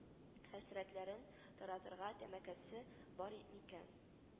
Хәсрәтләрен таратырга тәмәкесе бар микән